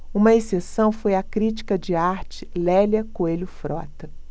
uma exceção foi a crítica de arte lélia coelho frota